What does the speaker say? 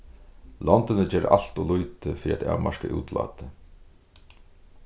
londini gera alt ov lítið fyri at avmarka útlátið